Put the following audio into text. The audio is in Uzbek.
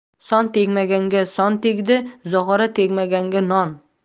son tegmaganga son tegdi zog'ora tegmaganga non